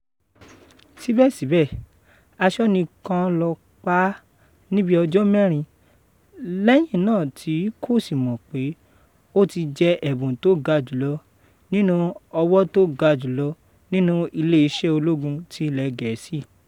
Síbẹ̀síbẹ̀, asọnipa kán ló pa á ní bí ọjọ̀ mẹ́rin lẹ́yìn náà tí kò sí mọ̀ pé ó ti jẹ ẹ̀bùn tó ga jùlọ nínú ọ́wọ̀ tó ga jùlọ nínú ilé iṣẹ́ ológun tí ilẹ̀ Gẹ́ẹ̀sì.